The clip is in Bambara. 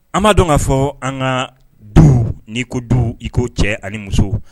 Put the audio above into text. An b ma dɔn'a fɔ an ka du niko du iko cɛ ani muso